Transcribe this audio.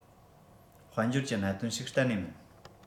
དཔལ འབྱོར གྱི གནད དོན ཞིག གཏན ནས མིན